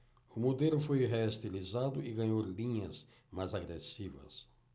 o modelo foi reestilizado e ganhou linhas mais agressivas